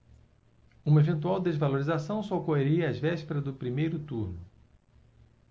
uma eventual desvalorização só ocorreria às vésperas do primeiro turno